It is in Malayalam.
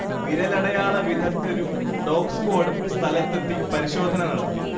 വിരലടയാള വിദഗ്ധരും ഡോഗ്സ്ക്വാഡും സ്ഥലത്ത് എത്തി പരിശോധന നടത്തി